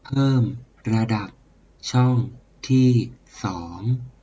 เพิ่มระดับช่องที่สอง